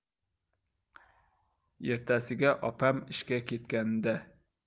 ertasiga opam ishga ketganida